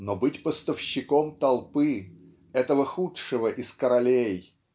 но быть поставщиком толпы этого худшего из королей